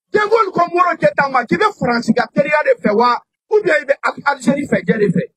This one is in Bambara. Denko ko mori cɛ tan ma jinɛ bɛuransi ka teriya de fɛ wa ko i bɛ aliz fɛcɛ fɛ